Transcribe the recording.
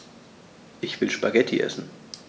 Ich will Spaghetti essen.